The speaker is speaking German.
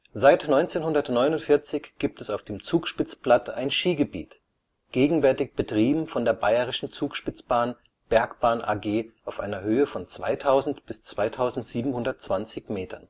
Seit 1949 gibt es auf dem Zugspitzplatt ein Skigebiet, gegenwärtig betrieben von der Bayerischen Zugspitzbahn Bergbahn AG auf einer Höhe von 2000 bis 2720 m